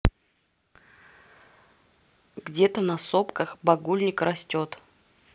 где то на сопках багульник растет